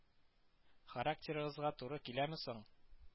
Характерыгызга туры киләме соң